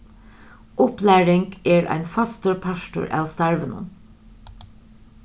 upplæring er ein fastur partur av starvinum